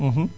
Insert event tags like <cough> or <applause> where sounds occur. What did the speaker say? <hesitation> <hesitation>